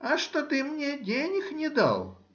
— А что ты мне денег не дал.